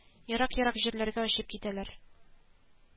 Ерак ерак җирләргә очып китәләр